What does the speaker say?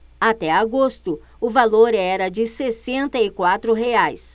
até agosto o valor era de sessenta e quatro reais